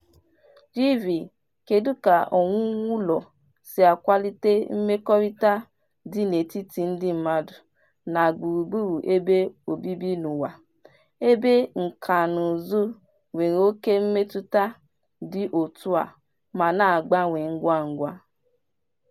GV: Kedụ ka owuwu ụlọ si akwalite mmekọrịta dị n'etiti ndị mmadụ na gburugburu ebe obibi n'ụwa ebe nkànaụzụ nwere oké mmetụta dị otú a ma na-agbanwe ngwa ngwa?